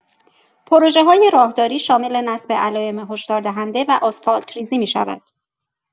پروژه‌های راهداری شامل نصب علائم هشداردهنده و آسفالت‌ریزی می‌شود.